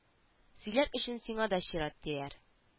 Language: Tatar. Сөйләр өчен сиңа да чират тияр